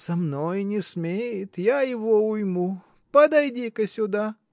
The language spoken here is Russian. — Со мной не смеет, я его уйму — подойди-ка сюда.